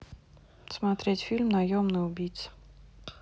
смотреть фильм наемный убийца